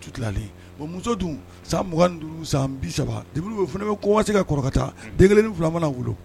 San san fana bɛseta de filamana bolo